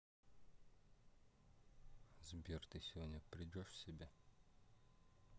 сбер ты сегодня придешь в себя